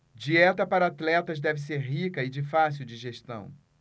dieta para atletas deve ser rica e de fácil digestão